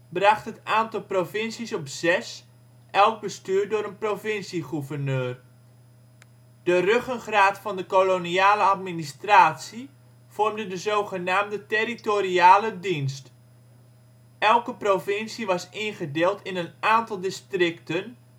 bracht het aantal provincies op zes, elk bestuurd door een provincie-gouverneur. De ruggengraat van de koloniale administratie vormde de zogenaamde territoriale dienst. Iedere provincie was ingedeeld in een aantal districten